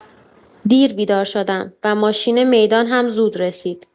دیر بیدار شدم و ماشین میدان هم زود رسید.